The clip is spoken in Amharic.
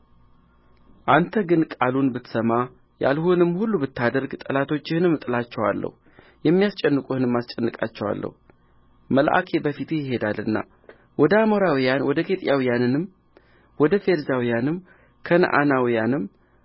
አንተ ግን ቃሉን ብትሰማ ያልሁህንም ሁሉ ብታደርግ ጠላቶችህን እጣላቸዋለሁ የሚያስጨንቁህንም አስጨንቃቸዋለሁ መልአኬ በፊትህ ይሄዳልና ወደ አሞራውያንም ወደ ኬጢያውያንም ወደ ፌርዛውያንም ወደ ከነዓናውያንም